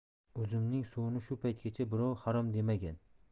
uzumning suvini shu paytgacha birov harom demagan